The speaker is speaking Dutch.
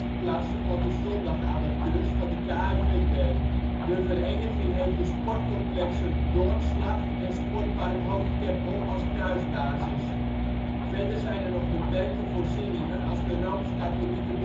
klasse van de zondagamateurs van de KNVB. De vereniging heeft de sportcomplexen ' t Doornslag en sportpark Hoog Keppel als thuisbasis. Verder zijn er nog beperkte voorzieningen als de Rooms-Katholieke